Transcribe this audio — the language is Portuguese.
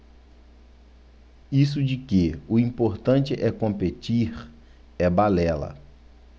isso de que o importante é competir é balela